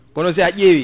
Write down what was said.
kono si a ƴeewi